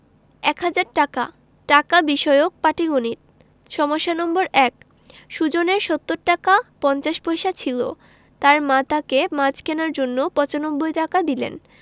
১০০০ টাকা টাকা বিষয়ক পাটিগনিতঃ ১ সুজনের ৭০ টাকা ৫০ পয়সা ছিল তার মা তাকে মাছ কেনার জন্য ৯৫ টাকা দিলেন